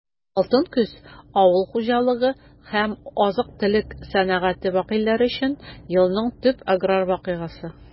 «алтын көз» - авыл хуҗалыгы һәм азык-төлек сәнәгате вәкилләре өчен елның төп аграр вакыйгасы.